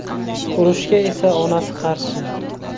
urushga esa onasi qarshi